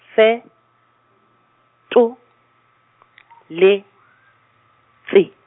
fe-, to-, le-, tse.